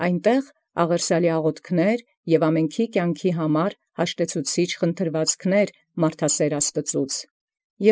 Անդ աղաւթք աղերսալիք, և խնդրուածք հաշտեցուցիչք վասն ամենեցուն կենաց՝ առ մարդասէրն Աստուած։